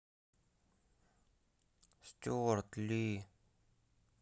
стюарт ли